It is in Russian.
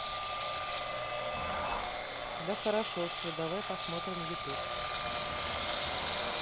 да хорошо все давай посмотрим ютуб